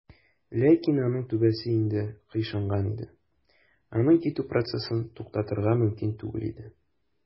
Ләкин аның түбәсе инде "кыйшайган" иде, аның китү процессын туктатырга мөмкин түгел иде.